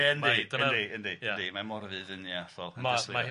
Yndi yndi yndi yndi mae Morfydd yn ia hollol...